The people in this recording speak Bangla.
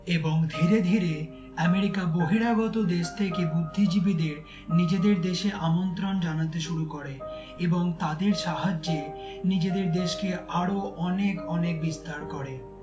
এবং ধীরে ধীরে এমেরিকা বহিরাগত দেশ থেকে বুদ্ধিজীবীদের নিজেদের দেশে আমন্ত্রণ জানাতে শুরু করে এবং তাদের সাহায্যে নিজেদের দেশকে আরো অনেক অনেক বিস্তার করে